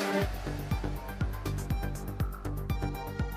Sanunɛ yo